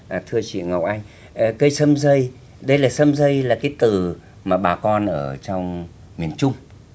vầng thưa chị ngọc anh ạ cây sâm dây đây là sâm dây là cái từ mà bà con ở trong miền trung